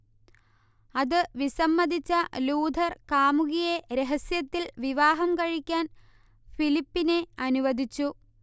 അതു വിസമ്മതിച്ച ലൂഥർ കാമുകിയെ രഹസ്യത്തിൽ വിവാഹം കഴിക്കാൻ ഫിലിപ്പിനെ അനുവദിച്ചു